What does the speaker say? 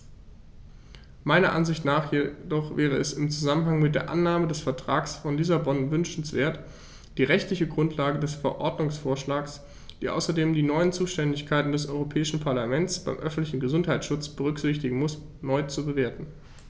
Meiner Ansicht nach jedoch wäre es im Zusammenhang mit der Annahme des Vertrags von Lissabon wünschenswert, die rechtliche Grundlage des Verordnungsvorschlags, die außerdem die neuen Zuständigkeiten des Europäischen Parlaments beim öffentlichen Gesundheitsschutz berücksichtigen muss, neu zu bewerten.